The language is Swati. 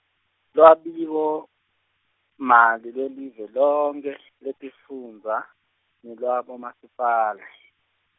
lwabiwomali lwelive lonkhe, lwetifundza, nelwabomasipala.